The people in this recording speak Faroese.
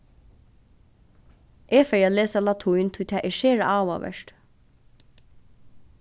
eg fari at lesa latín tí tað er sera áhugavert